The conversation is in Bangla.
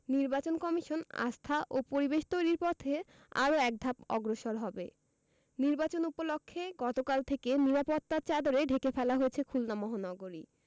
নির্বাচন কমিশন আস্থা ও পরিবেশ তৈরির পথে আরো একধাপ অগ্রসর হবে নির্বাচন উপলক্ষে গতকাল থেকে নিরাপত্তার চাদরে ঢেকে ফেলা হয়েছে খুলনা মহানগরী